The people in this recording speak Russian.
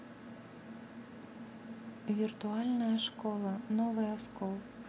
виртуальная школа новый оскол